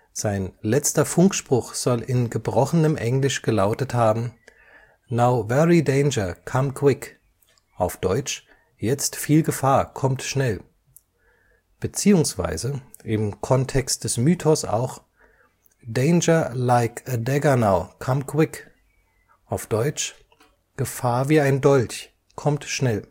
Sein letzter Funkspruch soll in gebrochenem Englisch gelautet haben “now very danger come quick” (deutsch: „ Jetzt viel Gefahr Kommt schnell “) bzw. im Kontext des Mythos auch “Danger like a dagger now! Come quick!” (deutsch: „ Gefahr wie ein Dolch! Kommt schnell